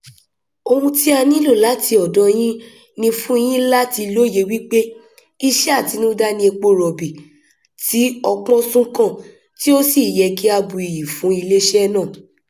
Ohun tí a nílò láti ọ̀dọ̀ọ yín ní fún un yín láti lóye wípé iṣẹ́ àtinudá ni epo rọ̀bì tí ọpọ́n sún kàn tí ó sì yẹ kí a bu ìyìn fún iléeṣẹ́ náà.